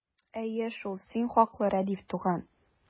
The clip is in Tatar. Әйе шул, син хаклы, Рәдиф туган!